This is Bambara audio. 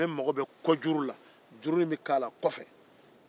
nka k'a mago bɛ kɔjuru la